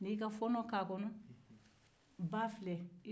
n'i y'e fɔɔnɔ k'a kɔnɔ ba filɛ